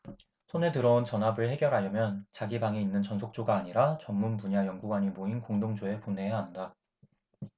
손에 들어온 전합을 해결하려면 자기 방에 있는 전속조가 아니라 전문분야 연구관이 모인 공동조에 보내야 한다